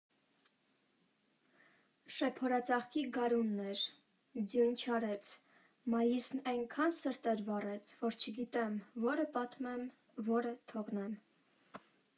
Շեփորածաղկի գարունն էր, ձյուն չարեց, մայիսն էնքան սրտեր վառեց, որ չգիտեմ՝ որը պատմեմ, որը թողնեմ։